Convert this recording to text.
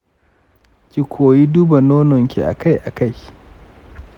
ki koyi duba nonoki akai akai.